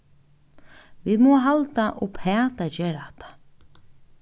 vit mugu halda uppat at gera hatta